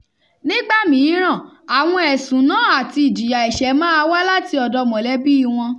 Nígbà mìíràn, àwọn èsùn náà àti ìjìyà ẹṣé máa wá láti ọ̀dọ̀ mọ̀lébíi wọn.